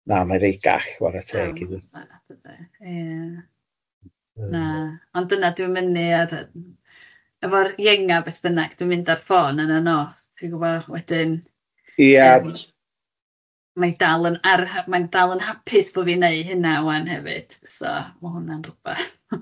Na mae reit gall chwarae teg iddo ...na ond dyna dwi'n mynu i ar yy efo'r ienga beth bynnag dwi'n mynd ar ffôn yn y nos ti'n gwybod wedyn... Ia. ...ond mae'n dal yn ar mae'n dal yn hapus bo' fi'n wneud hynna ŵan hefyd so ma' hwnna'n rwbath,